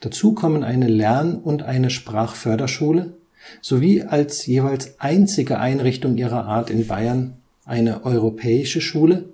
Dazu kommen eine Lern - und eine Sprachförderschule sowie, als jeweils einzige Einrichtung ihrer Art in Bayern, eine Europäische Schule